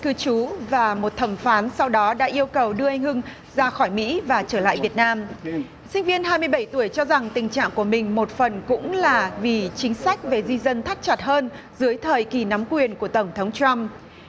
cư trú và một thẩm phán sau đó đã yêu cầu đưa anh hưng ra khỏi mỹ và trở lại việt nam sinh viên hai mươi bảy tuổi cho rằng tình trạng của mình một phần cũng là vì chính sách về di dân thắt chặt hơn dưới thời kỳ nắm quyền của tổng thống troăm